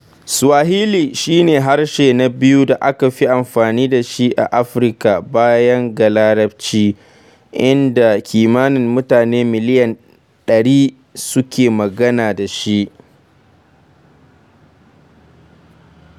Swahili shi ne harshe na biyu da aka fi amfani da shi a Afirka baya ga Larabaci, inda kimanin mutane miliyan 100 suke magana da shi.